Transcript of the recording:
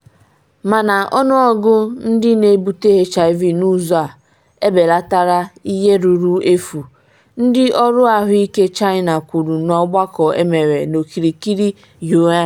Mana ọnụọgụ ndị na-ebute HIV n’ụzọ a, ebelatala ihe ruru efu, ndị ọrụ ahụike China kwuru n’ọgbakọ emere n’okirikiri Yunnan.